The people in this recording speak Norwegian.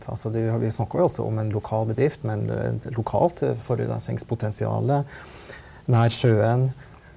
altså du vi snakker jo også om en lokal bedrift med et lokalt forurensingspotensiale nær sjøen.